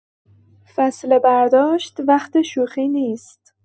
فصل برداشت وقت شوخی نیست.